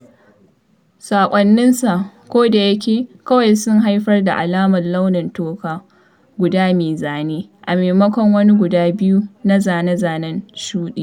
Sakonninsa, kodayake, kawai sun haifar da alamar launin toka guda mai zane, a maimakon wani guda biyu na zane-zane shudi.